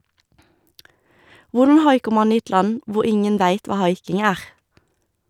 Hvordan haiker man i et land hvor ingen veit hva haiking er?